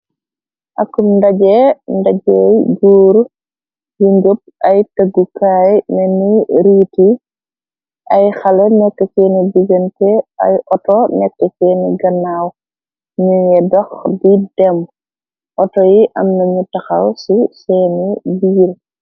Akum ndajeey, ndajeey juur yi njëpp ay tëggukaay meni riit yi , ay xale nekk kenni digante ay auto nekk kenni gannaaw, ñunye dox di dem auto yi amnañu taxaw ci seeni biir.